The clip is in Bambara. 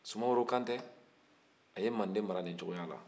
sumaworo kantɛ a ye manden mara nin cogo la